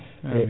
amin